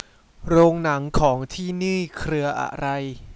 โรงหนังของที่นี่เครืออะไร